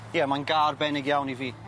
Ie mae'n ga' arbenig iawn i fi.